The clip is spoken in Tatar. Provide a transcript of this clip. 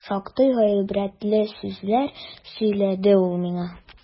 Шактый гыйбрәтле сүзләр сөйләде ул миңа.